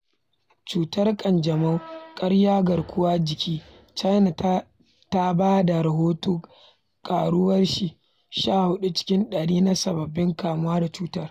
CUTAR ƘANJAMAU/Karya garkuwar jiki: China ta ba da rahoton ƙaruwar kashi 14 cikin ɗari na sababbin kamuwa da cutar